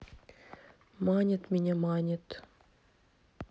манит меня манит